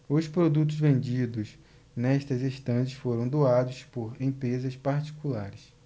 os produtos vendidos nestas estantes foram doados por empresas particulares